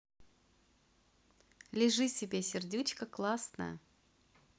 лежи себе сердючка классная